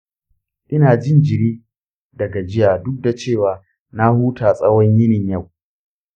ina jin jiri da gajiya duk da cewa na huta tsawon yini yau.